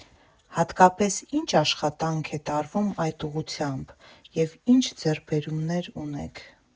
Հատկապես ի՞նչ աշխատանք է տարվում այդ ուղղությամբ և ի՞նչ ձեռքբերումներ ունեք։